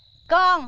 con